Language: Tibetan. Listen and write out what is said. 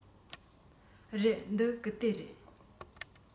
རེད འདི རྐུབ སྟེགས རེད